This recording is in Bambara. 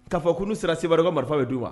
Kaa kou sera sebakaw marifa ye du wa